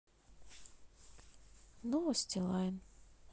новости лайн